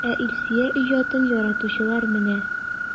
Ә Илсөя иҗатын яратучылар менә!